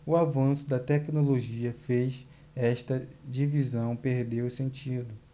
o avanço da tecnologia fez esta divisão perder o sentido